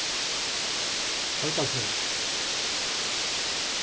hoydalsvegur